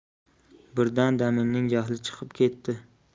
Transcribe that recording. birdan daminning jahli chiqib ketdi